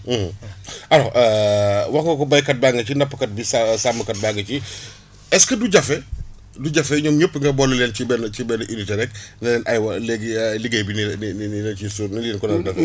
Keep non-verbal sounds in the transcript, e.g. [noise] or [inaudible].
[hesitation] [hesitation] [breath] alors [hesitation] wax nga ko béykat baa nga ci nappkat bi sa sàmmkat baa ngi ci [breath] est ce que du jafe du jefe ñoom ñëpp nga boole leen ci benn ci benn unité rek ne leen aywa léegi liggéey bi nii nii la ñu ciy * nu ngeen ko daan defee